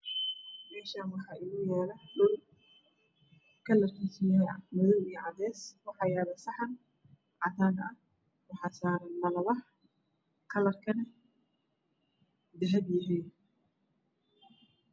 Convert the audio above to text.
Meeshaan waxaa inoo yaala dhul kalarkiisu yahay madoow iyo cadees waxa yaala saxan cadaan ah waxa saaran malawax kalarkana dahabi yahay